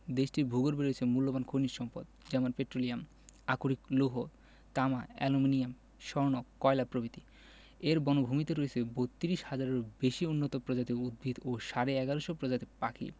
দেশটির ভূগর্ভে রয়েছে মুল্যবান খনিজ সম্পদ যেমন পেট্রোলিয়াম আকরিক লৌহ তামা অ্যালুমিনিয়াম স্বর্ণ কয়লা প্রভৃতি এর বনভূমিতে রয়েছে ৩২ হাজারেরও বেশি উন্নত প্রজাতির উদ্ভিত ও সাড়ে ১১শ প্রজাতির পাখি